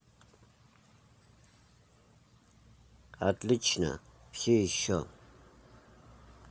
отлично все еще